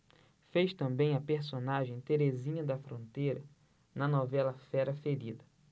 fez também a personagem terezinha da fronteira na novela fera ferida